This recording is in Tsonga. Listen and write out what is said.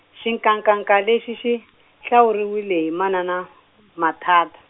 xinkankanka lexi xi, hlawuriwile hi manana Manthata.